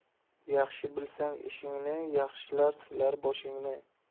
yaxshi bilsang ishingni yaxshilar silar boshingni